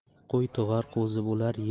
qo'y tug'ar qo'zi bo'lar